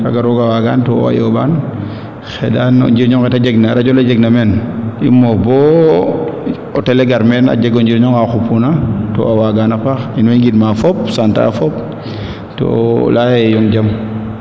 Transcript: kaaga rooga waagaan to a yoombaan xendan o njirñonge te jeg na radio le jegna meen i moof bo o télé gar meen a jeg o njiriño nga xupna to a waagaan a paax in way ngind ma fop sant a fop to leya ye yong jam